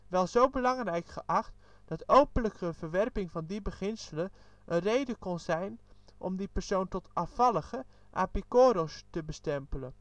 wel zo belangrijk geacht, dat openlijke verwerping van die beginselen een reden kon zijn om die persoon tot ' afvallige ' (apikoros) te bestempelen